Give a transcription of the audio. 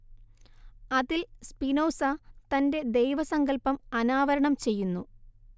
അതിൽ സ്പിനോസ തന്റെ ദൈവസങ്കല്പം അനാവരണം ചെയ്യുന്നു